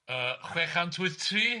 yy chwe chant wyth tri?